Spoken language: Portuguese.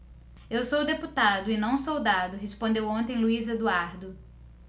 eu sou deputado e não soldado respondeu ontem luís eduardo